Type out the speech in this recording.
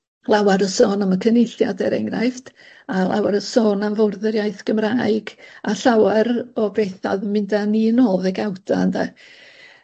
lawar o sôn am y Cynulliad er enghraifft a lawar o sôn am fwrdd yr iaith Gymraeg a llawar o betha o'dd yn mynd â ni nôl ddegawda ynde.